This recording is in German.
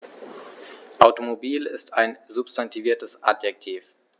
Automobil ist ein substantiviertes Adjektiv.